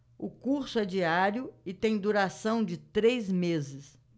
o curso é diário e tem duração de três meses